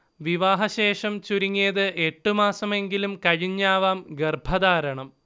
വിവാഹശേഷം ചുരുങ്ങിയത് എട്ട് മാസമെങ്കിലും കഴിഞ്ഞാവാം ഗർഭധാരണം